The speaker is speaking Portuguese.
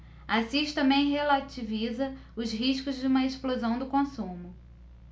assis também relativiza os riscos de uma explosão do consumo